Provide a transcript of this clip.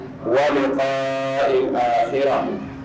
Wa fa sera